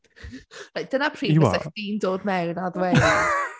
Reit, dyna pryd fysech chdi‘n dod mewn a dweud